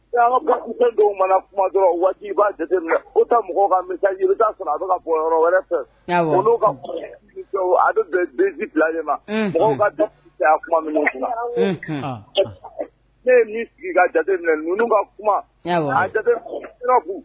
Dɔw mana kuma don waati'a jate min u mɔgɔw ka mi bɛ taa suntɔ ka bon yɔrɔ wɛrɛ fɛ ka kuma bɛ den bila ma min kuma ne min sigi ka jate minɛ n ka kuma a jateku